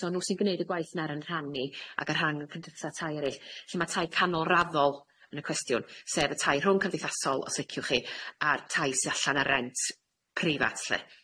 So n'w sy'n gneud y gwaith nar yn rhan ni ag ar rhang y cyndytha tai eryll lly ma' tai canolraddol yn y cwestiwn sef y tai rhwng cymdeithasol os liciwch chi a'r tai sy allan ar rent preifat lly.